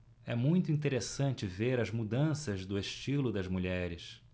é muito interessante ver as mudanças do estilo das mulheres